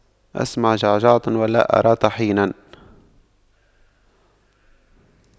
أسمع جعجعة ولا أرى طحنا